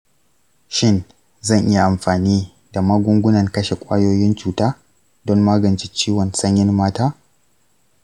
shin zan iya amfani da magungunan kashe kwayoyin cuta don magance ciwon sanyin mata ?